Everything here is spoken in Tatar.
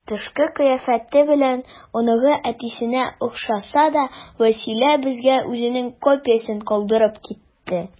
Тышкы кыяфәте белән оныгы әтисенә охшаса да, Вәсилә безгә үзенең копиясен калдырып китте.